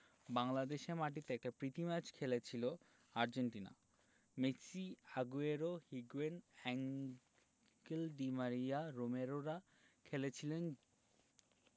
বাংলাদেশের মাটিতে একটা প্রীতি ম্যাচ খেলেছিল Argentina Messi Aguero Higuain Angel Di Maria রোমেরোরা খেলেছিলেন